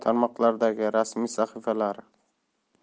tarmoqlardagi rasmiy sahifalari